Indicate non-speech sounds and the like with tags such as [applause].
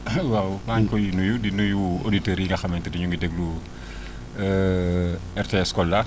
[laughs] waaw maa ngi koy nuyu di nuyu auditeurs yi nga xamante ni ñu ngi déglu [breath] [hesitation] RTS Kolda